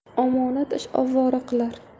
omonat ish ovora qilar